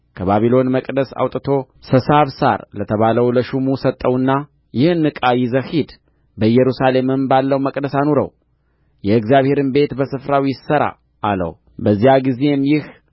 ከባቢሎን መቅደስ አውጥቶ ሰሳብሳር ለተባለው ለሹሙ ሰጠውና ይህን ዕቃ ይዘህ ሂድ በኢየሩሳሌምም ባለው መቅደስ አኑረው የእግዚአብሔርም ቤት በስፍራው ይሠራ አለው በዚያ ጊዜም ይህ